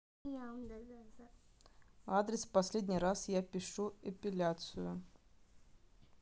адрес в последний раз я пишу апелляцию